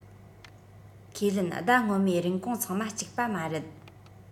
ཁས ལེན ཟླ སྔོན མའི རིན གོང ཚང མ གཅིག པ མ རེད